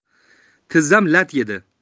tizzam lat yedi